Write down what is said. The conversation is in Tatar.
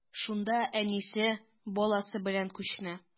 Шунда әнисе, баласы белән күченә.